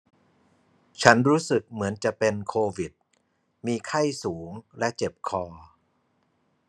ฉันรู้สึกเหมือนจะเป็นโควิดมีไข้สูงและเจ็บคอ